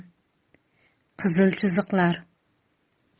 qizil chiziqlar